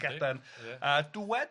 A dŵed